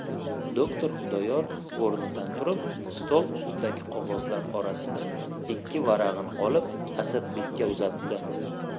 doktor xudoyor o'rnidan turib stol ustidagi qog'ozlar orasidan ikki varag'ini olib asadbekka uzatdi